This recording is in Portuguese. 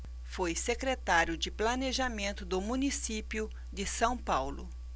foi secretário de planejamento do município de são paulo